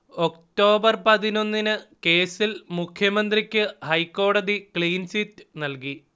October പതിനൊന്നിന് കേസിൽ മുഖ്യമന്ത്രിക്ക് ഹൈക്കോടതി ക്ലീൻചിറ്റ് നൽകി